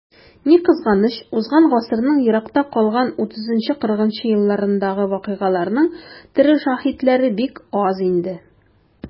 Ни кызганыч, узган гасырның еракта калган 30-40 нчы елларындагы вакыйгаларның тере шаһитлары бик аз инде.